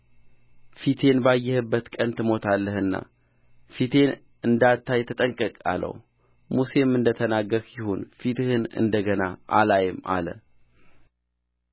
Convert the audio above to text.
ፊቴን ባየህበት ቀን ትሞታለህና ፊቴን እንዳታይ ተጠንቀቅ አለው ሙሴም እንደ ተናገርህ ይሁን ፊትህን እንደ ገና አላይም አለ